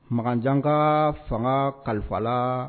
Makanjan ka fanga kalifa la